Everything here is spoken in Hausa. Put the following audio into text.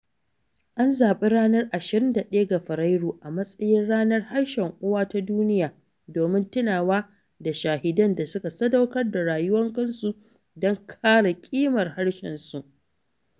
An zaɓi ranar 21 ga Fabrairu a matsayin Ranar Harshen Uwa ta Duniya domin tunawa da shahidan da suka sadaukar da rayukansu don kare ƙimar harshensu na uwa Bangla, a wannan rana a shekarar 1952.